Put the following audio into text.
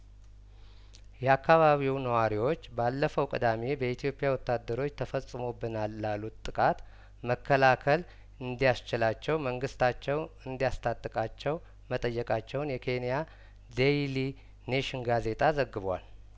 የአካባቢው ነዋሪዎች ባለፈው ቅዳሜ በኢትዮፕያወታደሮች ተፈጽሞብናል ላሉት ጥቃት መከላከል እንዲ ያስችላቸው መንግስታቸው እንዲያስ ታጥቃቸው መጠየቃቸውን የኬንያዴይሊ ኔሽን ጋዜጣ ዘግቧል